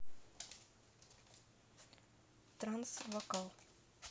транс вокал